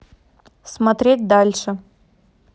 смотреть дальше